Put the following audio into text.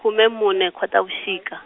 khume mune Khotavuxika.